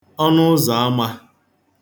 ọnụụzọ̀amā